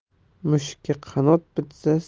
mushukka qanot bitsa